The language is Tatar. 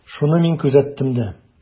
Шуны мин күзәттем дә.